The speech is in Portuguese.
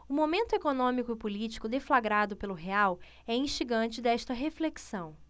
o momento econômico e político deflagrado pelo real é instigante desta reflexão